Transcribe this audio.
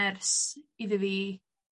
ers iddi fi